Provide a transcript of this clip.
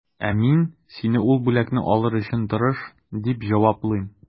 Ә мин, син ул бүләкне алыр өчен тырыш, дип җаваплыйм.